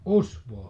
usvaa